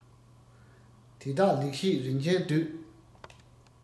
དེ དག ལེགས བཤད རིན ཆེན སྡུད